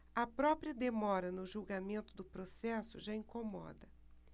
a própria demora no julgamento do processo já incomoda